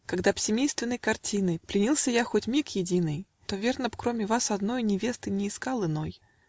Когда б семейственной картиной Пленился я хоть миг единый, - То, верно б, кроме вас одной Невесты не искал иной.